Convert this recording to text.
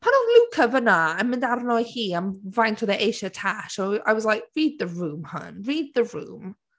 Pan oedd Luca fan'na yn mynd arno hi am faint oedd e eisiau Tash, I was like, read the room hun, read the room.